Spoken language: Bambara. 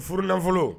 Furulanfolo